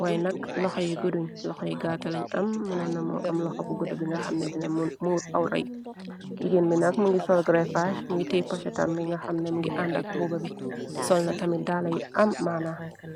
waay nak loxoy gudduñ loxoy gaata lañ am mënoo namoo am loxo bu gudda bi nga xamne dina muur aw ray jigeen bi nag mungi sol grefass mungi teyeh posetam bi nga xamnem ngi àndak buuba bi solna tamit dala yu am maana.